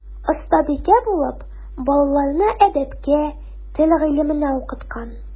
Остабикә булып балаларны әдәпкә, тел гыйлеменә укыткан.